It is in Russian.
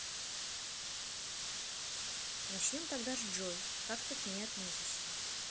начнем тогда с джой как ты к ней относишься